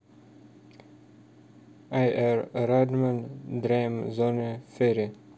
a r rahman dream zone fire